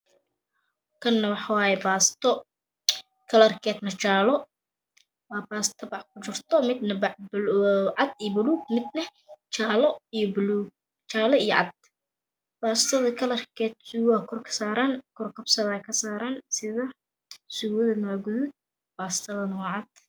Kanna waxaa waaye baasto kalarkeedna jaalo waa baasto bac ku jirto midna bac buluu cad iyo buluug midna jaalo iyo buluug jaalo iyo cada baastada kalarkeed suuga kor kasaaran kor kabsara ka saaran sida suugadana waa guduud baastadana waa cad